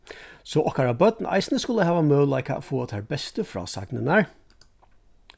so okkara børn eisini skulu hava møguleika at fáa tær bestu frásagnirnar